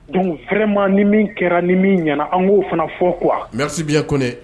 Don fɛrɛma ni min kɛra ni min ɲɛna an k'o fana fɔ komerisibiɲɛ konen